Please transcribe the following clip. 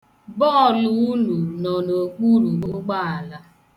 Bọọlụ unu nọ n'okpuru ụgbọala.